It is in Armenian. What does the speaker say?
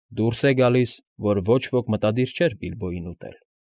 Դուրս է գալիս, որ ոչ ոք մտադիր չէր Բիլբոյին ուտել։